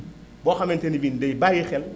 boo xamante ni bi day bàyyi xel